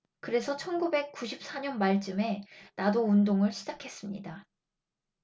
그래서 천 구백 구십 사 년 말 즈음에 나도 운동을 시작했습니다